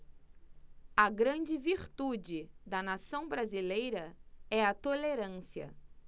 a grande virtude da nação brasileira é a tolerância